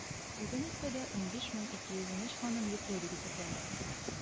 Бүген өлкәдә 15213 ханым йөкле дип исәпләнә.